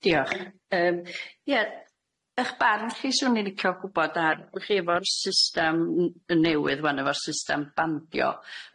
Diolch yym ie ych barn chi swn i'n licio gwbod ar chi efo'r system n- yn newydd ŵan efo'r system bandio,